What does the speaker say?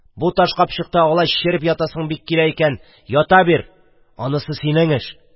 Бу таш капчыкта алай череп ятасың бик килә икән – ята бир, анысы синең эш!